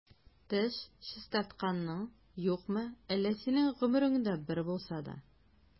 Теш чистартканың юкмы әллә синең гомереңдә бер булса да?